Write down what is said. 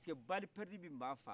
parasike bali pɛrɛdi bɛ maɔgɔ faga